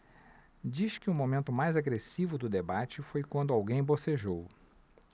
diz que o momento mais agressivo do debate foi quando alguém bocejou